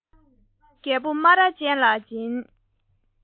རྒད པོ སྨ ར ཅན ལ བྱིན